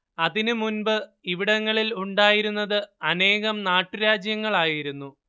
അതിന് മുൻപ് ഇവിടങ്ങളിൽ ഉണ്ടായിരുന്നത് അനേകം നാട്ടുരാജ്യങ്ങളായിരുന്നു